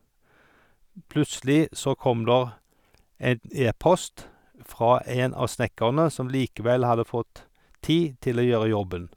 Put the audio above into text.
Plutselig så kom der en e-post fra en av snekkerne, som likevel hadde fått tid til å gjøre jobben.